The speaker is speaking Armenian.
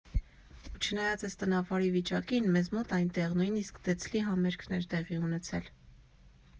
Ու չնայած էս տնավարի վիճակին, մեզ մոտ այնտեղ նույնիսկ Դեցլի համերգն էր տեղի ունեցել։